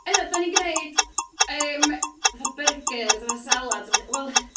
Ydw, dan ni'n gwneud yym fatha byrgyrs a salads a ballu. Wel...